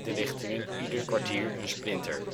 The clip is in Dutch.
richtingen ieder kwartier een Sprinter